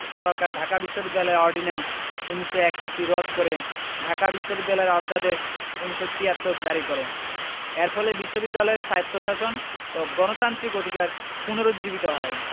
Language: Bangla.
সরকার ঢাকা বিশ্ববিদ্যালয় অর্ডিন্যান্স ১৯৬১ রদ করে ঢাকা বিশ্ববিদ্যালয় অধ্যাদেশ ১৯৭৩ জারি করে এর ফলে বিশ্ববিদ্যালয়ের স্বায়ত্তশাসন ও গণতান্ত্রিক অধিকার পুনরুজ্জীবিত হয়